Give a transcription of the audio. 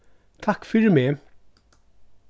takk fyri meg